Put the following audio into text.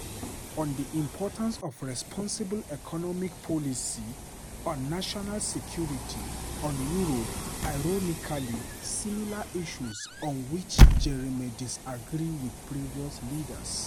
On the importance of a responsible economic policy, on national security, on Europe, ironically similar issues on which Jeremy disagreed with previous leaders.